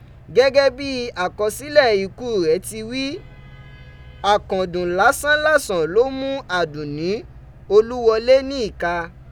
Gẹgẹ bi akọsilẹ iku rẹ ti wi, akandun lásán làsàn lo mu Adunni Oluwole ni ika.